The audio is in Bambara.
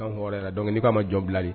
La dɔn k' ma jɔ bilali